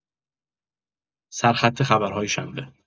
سرخط خبرهای شنبه